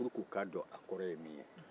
puruk'u ka dɔn a kɔrɔ ye mun ye